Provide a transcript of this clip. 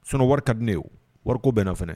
Sinon, wari ka di ne ye o.Wariko bɛ n na. fana.